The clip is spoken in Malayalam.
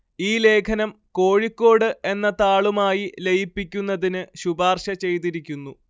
ഈ ലേഖനം കോഴിക്കോട് എന്ന താളുമായി ലയിപ്പിക്കുന്നതിന് ശുപാർശ ചെയ്തിരിക്കുന്നു